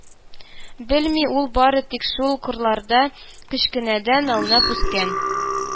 Белми, ул бары тик шул кырларда кечкенәдән аунап үскән